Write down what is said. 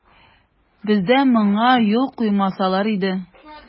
Бездә моңа юл куймаслар иде.